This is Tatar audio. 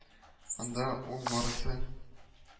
Анда ул барысы